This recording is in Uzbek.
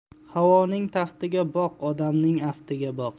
havoning taftiga boq odamning aftiga boq